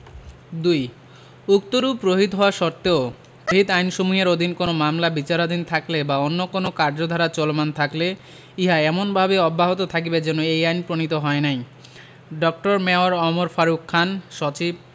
২ উক্তরূপ রহিত হওয়া সত্ত্বেও রহিত আইনসমূহের অধীন কোন মামলা বিচারাধীন থাকলে বা অন্য কোন কার্যধারা চলমান থাকলে ইহা এমনভাবে অব্যাহত থাকিবে যেন এই আইন প্রণীত হয় নাই ড. মে. ওমর ফারুক খান সচিব